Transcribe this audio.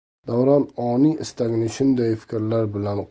davron oniy istagini shunday fikrlar